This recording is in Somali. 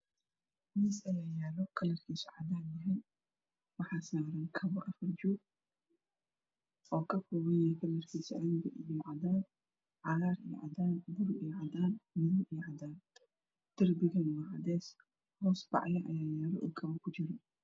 Miis aya yaalo karkiisa cadana yahy waxa saran kaapo afar joog oo kakoopan ayahy kalarkiisa canpa iyo cadaan caagar iyo cadaan gaduud iyo cadana darpiga wa cadees hoos pacyo aya yaalo oo kapo ku joro